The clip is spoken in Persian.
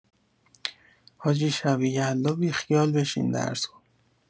حاجی شب یلدا بیخیال بشین درسو